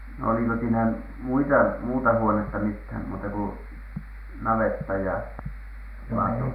no oliko siinä muita muuta huonetta mitään muuta kuin navetta ja lato